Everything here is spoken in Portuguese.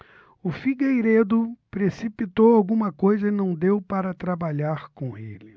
o figueiredo precipitou alguma coisa e não deu para trabalhar com ele